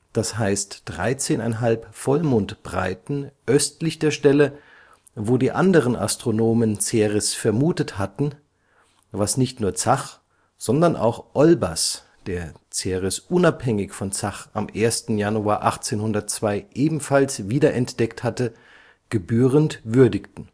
d. h. 13,5 Vollmondbreiten) östlich der Stelle, wo die anderen Astronomen Ceres vermutet hatten, was nicht nur Zach, sondern auch Olbers, der Ceres unabhängig von Zach am 1. Januar 1802 ebenfalls wiederentdeckt hatte, gebührend würdigten